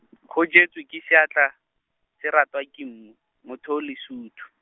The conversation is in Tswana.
go jwetswe ke seatla, se ratwa ke mmu, motlho o o lesuthu.